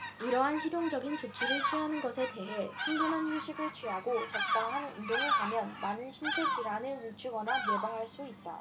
이러한 실용적인 조처를 취하는 것에 더해 충분한 휴식을 취하고 적당한 운동을 하면 많은 신체 질환을 늦추거나 예방할 수 있다